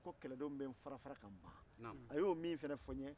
fɔlɔfɔlɔmɔgɔ tun sigilen bɛ donsoya de kan